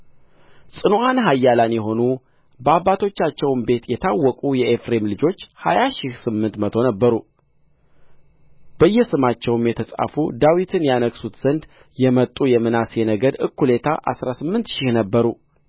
ጽኑዓን ኃያላን የሆኑ በአባቶቻቸውም ቤት የታወቁ የኤፍሬም ልጆች ሀያ ሺህ ስምንት መቶ ነበሩ በየስማቸውም የተጻፉ ዳዊትን ያነግሡት ዘንድ የመጡ የምናሴ ነገድ እኵሌታ አሥራ ስምንት ሺህ ነበሩ